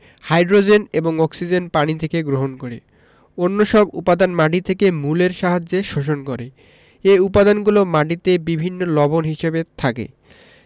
hydrogen এবং oxygen পানি থেকে গ্রহণ করে অন্যসব উপাদান মাটি থেকে মূলের সাহায্যে শোষণ করে এ উপাদানগুলো মাটিতে বিভিন্ন লবণ হিসেবে থাকে